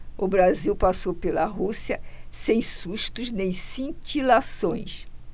o brasil passou pela rússia sem sustos nem cintilações